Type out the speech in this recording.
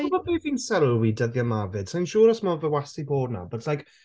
Ti'n gwybod beth fi'n sylwi dyddiau 'ma 'fyd sa i'n siŵr os mae fe wastad wedi bod 'na but it's like...